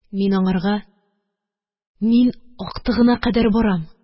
Мин аңарга: – Мин актыгына кадәр барам